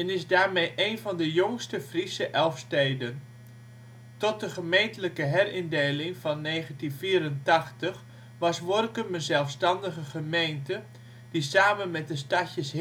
is daarmee een van de jongste Friese elf steden. Tot de gemeentelijke herindeling van 1984 was Workum een zelfstandige gemeente, die samen met de stadjes